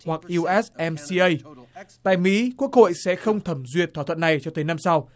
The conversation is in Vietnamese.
hoặc iu ét em xi ây tại mỹ quốc hội sẽ không thẩm duyệt thỏa thuận này cho tới năm sau